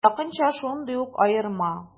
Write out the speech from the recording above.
Якынча шундый ук аерма.